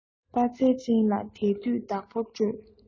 དཔའ རྩལ ཅན ལ དལ དུས བདག པོ སྤྲོད